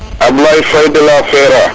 Ablaye Faye de la FERA